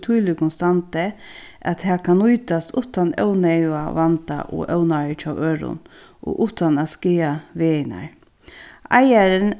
tílíkum standi at tað kann nýtast uttan óneyðuga vanda og ónáðir hjá øðrum og uttan at skaða vegirnar eigarin